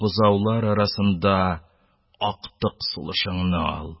Бозаулар арасында актык сулышыңны алдың!